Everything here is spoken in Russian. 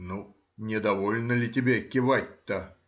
— Ну, не довольно ли тебе кивать-то?